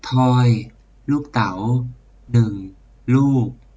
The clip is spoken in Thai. ทอยลูกเต๋าหนึ่งลูก